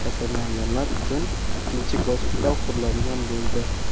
kasallanganlar uchun ikkinchi gospital quriladigan bo'ldi